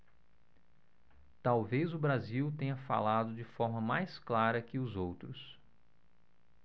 talvez o brasil tenha falado de forma mais clara que os outros